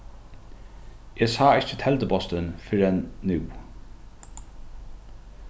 eg sá ikki teldupostin fyrr enn nú